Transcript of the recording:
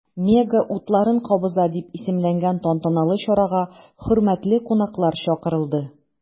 “мега утларын кабыза” дип исемләнгән тантаналы чарага хөрмәтле кунаклар чакырылды.